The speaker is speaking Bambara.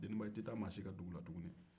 deniba i tɛ taa maa si ka dugu la tugunni